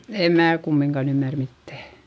en minä kumminkaan ymmärrä mitään